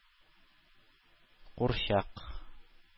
Курчак